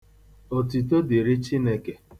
Otito dịrị Chineke!